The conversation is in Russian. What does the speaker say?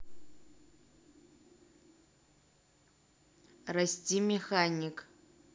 расти механик